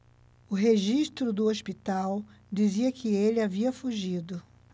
o registro do hospital dizia que ele havia fugido